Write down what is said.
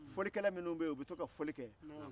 folikɛla minnu bɛ yen u bɛ to ka fɔli kɛ